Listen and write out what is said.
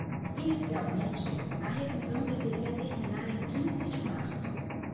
inicialmente a revisão deveria terminar em quinze de março